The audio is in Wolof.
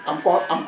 am con am